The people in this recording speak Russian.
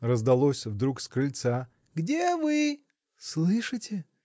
– раздалось вдруг с крыльца, – где вы? – Слышите!